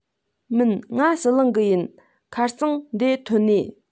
མིན ང ཟི ལིང གི ཡིན ཁ རྩང འདེའ ཐོན ནིས